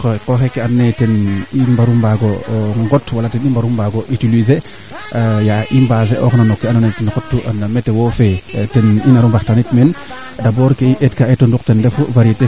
ndaa yit a jega nga ngoolo nga an naye a wañooxa ñaal leŋ mbaa ɗik a an comme nee i leya février maak we ando ga kaaga a ndeet toogan aussi no taxr ke